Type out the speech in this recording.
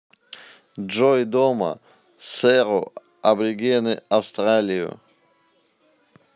джой дома сэру абригены австралию